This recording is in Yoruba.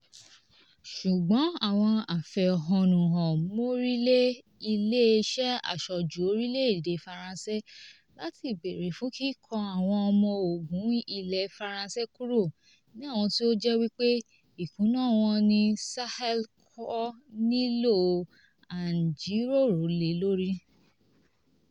Ṣùgbọ́n àwọn afẹ̀hónú hàn mórí lé Ilé Iṣẹ́ Aṣojú orílẹ̀-èdè France láti bèèrè fún kíkó àwọn ọmọ ogún ilẹ̀ Faransé kúrò ní àwọn tí ó jẹ́ wípé ìkùná wọn ní Sahel kò nílò àńjíròrò lé lórí.